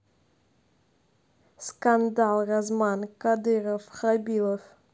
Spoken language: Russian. скандал рамзан кадыров хабилов